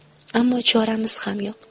ammo choramiz ham yo'q